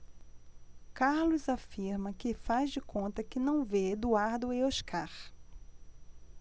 carlos afirma que faz de conta que não vê eduardo e oscar